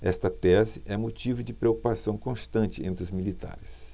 esta tese é motivo de preocupação constante entre os militares